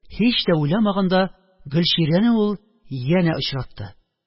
Һич тә уйламаганда, гөлчирәне ул янә очратты